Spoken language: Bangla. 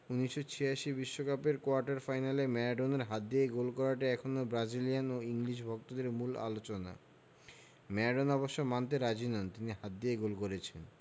১৯৮৬ বিশ্বকাপের কোয়ার্টার ফাইনালে ম্যারাডোনার হাত দিয়ে গোল করাটা এখনো ব্রাজিলিয়ান ও ইংলিশ ভক্তদের মূল আলোচনা ম্যারাডোনা অবশ্য মানতে রাজি নন তিনি হাত দিয়ে গোল করেছেন